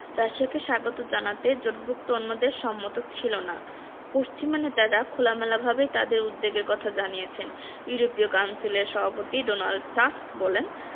রাশিয়াকে স্বাগত জানাতে জোটভুক্ত অন্য দেশ সম্মত ছিল না পশ্চিমা নেতারা খোলামেলাভাবেই তাঁদের উদ্বেগের কথা জানিয়েছেন ইউরোপীয় কাউন্সিলের সভাপতি ডোনাল্ড টাস্ক বলেছেন